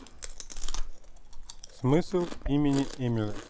смысл имени эмилия